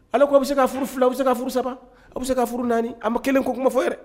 Ale ko a bɛ se ka furu fila u bɛ se ka furu saba a bɛ se ka furu naani a ma kelen kofɔ